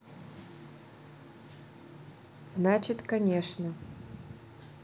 значит конечно